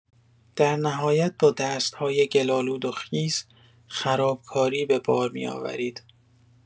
درن‌هایت با دست‌های گل‌آلود و خیس، خراب کاری به بار می‌آورید.